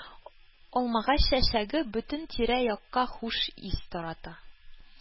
Алмагач чәчәге бөтен тирә-якка хуш ис тарата.